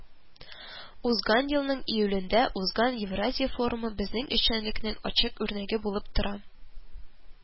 “узган елның июлендә узган евразия форумы безнең эшчәнлекнең ачык үрнәге булып тора